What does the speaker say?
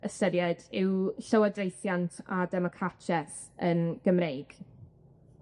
ystyried yw llywodraethiant a democratieth yn Gymreig.